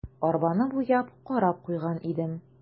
Арбаны буяп, карап куйган идем.